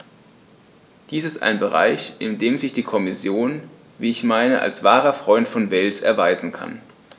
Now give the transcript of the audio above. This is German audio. Dies ist ein Bereich, in dem sich die Kommission, wie ich meine, als wahrer Freund von Wales erweisen kann.